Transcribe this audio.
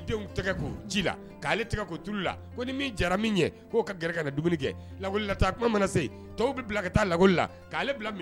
Ni jara kɛ lalila taa mana se tɔw bɛ bila ka taa lali la